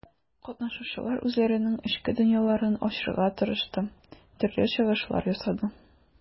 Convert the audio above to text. Катнашучылар үзләренең эчке дөньяларын ачарга тырышты, төрле чыгышлар ясады.